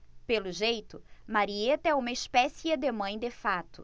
pelo jeito marieta é uma espécie de mãe de fato